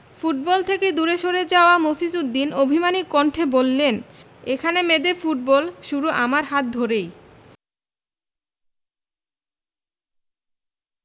football থেকে দূরে সরে যাওয়া মফিজ উদ্দিন অভিমানী কণ্ঠে বললেন এখানে মেয়েদের ফুটবল শুরু আমার হাত ধরেই ওদের প্রতি আমার চেয়ে বেশি দরদ কার থাকবে